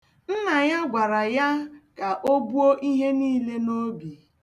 Nna ya gwara ya ka o buo ihe niile n'obi.